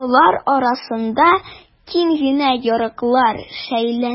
Алар арасында киң генә ярыклар шәйләнә.